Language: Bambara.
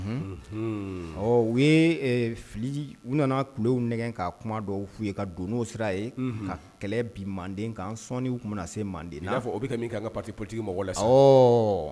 Un, unhun, u ye ɛ fili, u nana kulew nɛgɛn ka kuma dɔw f'u ye, ka don n'o sira ye, unhun, ka kɛlɛ bin Mande kan sɔɔni o tun bɛna se Mande na, i n'a fɔ o bɛ ka min kɛ an ka parti politique mɔgɔw la sisan, awɔ